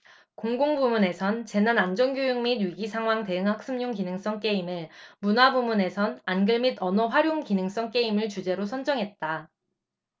공공 부문에선 재난안전교육 및 위기상황 대응 학습용 기능성 게임을 문화 부문에선 한글 및 언어활용 기능성 게임을 주제로 선정했다